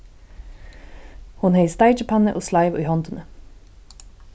hon hevði steikipannu og sleiv í hondini